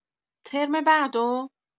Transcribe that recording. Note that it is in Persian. ترم بعدو؟